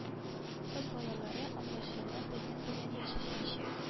Кыз балалары аңлашыла безнең белән яшәячәк